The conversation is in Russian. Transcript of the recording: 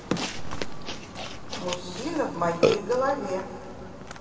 мужчина в моей голове